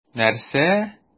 Нәрсә?!